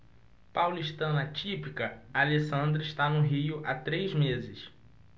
paulistana típica alessandra está no rio há três meses